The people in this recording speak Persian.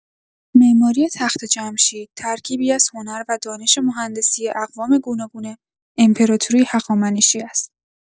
معماری تخت‌جمشید ترکیبی از هنر و دانش مهندسی اقوام گوناگون امپراتوری هخامنشی است.